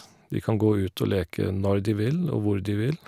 De kan gå ut og leke når de vil og hvor de vil.